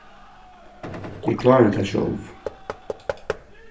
eg klári tað sjálv